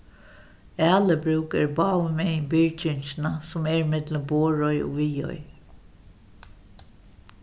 alibrúk eru báðumegin byrgingina sum er millum borðoy og viðoy